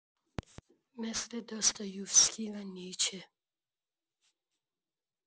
مثل داستایوفسکی و نیچه